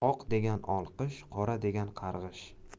oq degan olqish qora degan qarg'ish